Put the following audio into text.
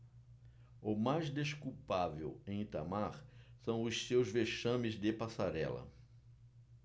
o mais desculpável em itamar são os seus vexames de passarela